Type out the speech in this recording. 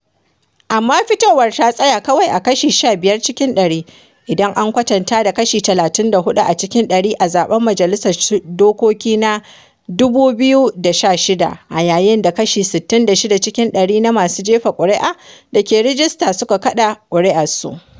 Amma, fitowar ta tsaya kawai a kashi 15 cikin ɗari, idan an kwatanta da kashi 34 a cikin ɗari a zaɓen majalisar dokoki na 2016 a yayin da kashi 66 cikin ɗari na masu jefa kuri’a da ke rijista suka kaɗa kuri’arsu.